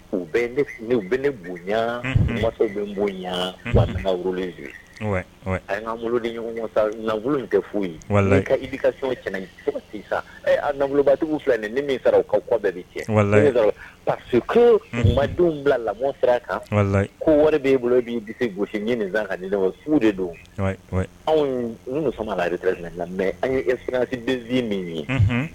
U u bɛ ne bonya mansaw bɛ bonya a kagolo ɲɔgɔn in tɛ fo ye i bɛ ka sisangolobadugu fila nin ni min sara u ka kɔ bɛɛ bɛ cɛ pa ko madenw bila lamɔ sera a kan ko wari bɛ' bolo b'i se gosisi ɲinin ka ni su de don anw sɔnna bɛ la mɛ an ssi denmisɛnninz min ye